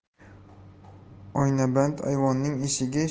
oynaband ayvonning eshigini